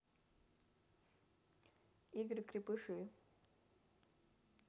игры крепыши